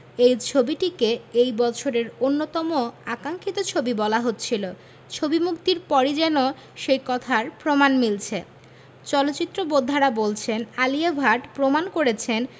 ই ছবিটিকে এই বছরের অন্যতম আকাঙ্খিত ছবি বলা হচ্ছিল ছবি মুক্তির পরই যেন সেই কথার প্রমাণ মিলছে চলচ্চিত্র বোদ্ধারা বলছেন আলিয়া ভাট প্রমাণ করেছেন